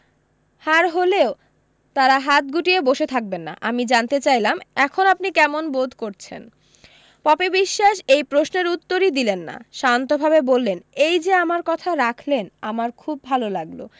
হার হলেও তারা হাত গুটিয়ে বসে থাকবেন না আমি জানতে চাইলাম এখন আপনি কেমন বোধ করছেন পপি বিশ্বাস সে প্রশ্নের উত্তরই দিলেন না শান্তভাবে বললেন এই যে আমার কথা রাখলেন আমার খুব ভালো লাগলো